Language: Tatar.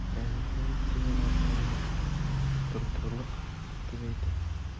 Ә Зөһрә әйтсә, артыңа утыртырлык итеп әйтә.